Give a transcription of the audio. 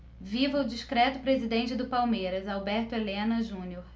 viva o discreto presidente do palmeiras alberto helena junior